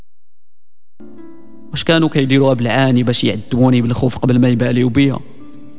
ايش كانك الجواب العاني بشيء من الخوف قبل ما يبان يبيها